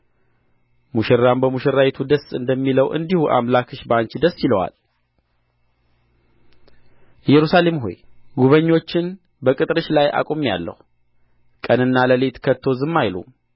ሙሽራም በሙሽራይቱ ደስ እንደሚለው እንዲሁ አምላክሽ በአንቺ ደስ ይለዋል ኢየሩሳሌም ሆይ ጕበኞችን በቅጥርሽ ላይ አቁሜአለሁ ቀንና ሌሊት ከቶ ዝም አይሉም